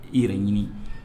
I yɛrɛ ɲini